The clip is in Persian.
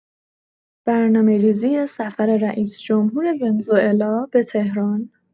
برنامه‌ریزی سفر رئیس‌جمهور ونزوئلا به تهران